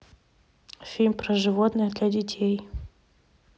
фильмы про животных для детей